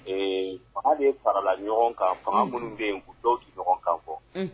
Ee fanga de ye farala ɲɔgɔn kan fanga minnu bɛ' dɔw tɛ ɲɔgɔn kan fɔ